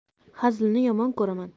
hazilni yomon ko'raman